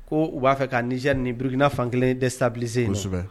Ko u b'a fɛ kaz ni burukina fankelen de sase in